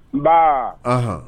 Nba aɔn